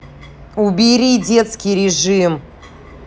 убери детский режим